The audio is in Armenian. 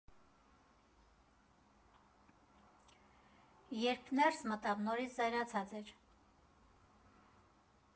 Երբ ներս մտավ, նորից զայրացած էր։